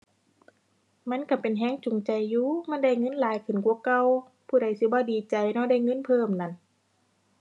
มันก็เป็นก็จูงใจอยู่ มันได้เงินหลายขึ้นกว่าเก่า ผู้ใดสิบ่ดีใจเนาะ ได้เงินเพิ่มนั่น